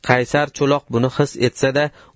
qaysar cho'loq buni his etsa da